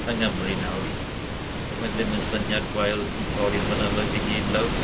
yng Nghymru nawr , mae ddim yn syniad gwael i torri'r mynyddoedd i gyd lawr.